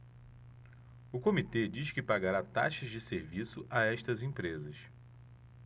o comitê diz que pagará taxas de serviço a estas empresas